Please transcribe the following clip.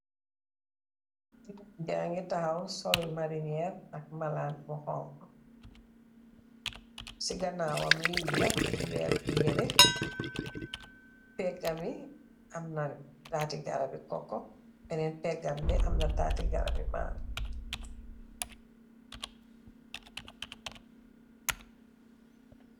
Jigéen jaa ngi taxaw, sol Mari ñeer ak malaan bu xoñxa, si ganaawam liinge la, ñu weer ay yiree. Peegë bi, am taati garab. Benen peegam bi, mu ngi am taati maango